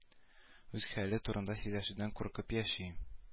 Үз хәле турында сөйләшүдән куркып яши